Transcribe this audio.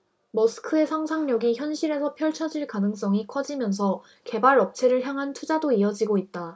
머스크의 상상력이 현실에서 펼쳐질 가능성이 커지면서 개발업체를 향한 투자도 이어지고 있다